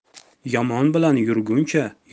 yomon bilan yurguncha